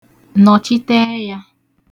nọ̀chite ẹyā